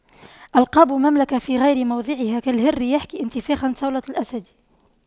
ألقاب مملكة في غير موضعها كالهر يحكي انتفاخا صولة الأسد